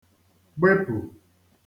gbepù